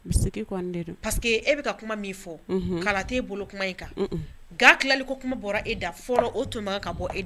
E kuma min fɔ' e bolo kuma kan ga tilali ko kuma bɔra e da fɔra o tun ma ka bɔ e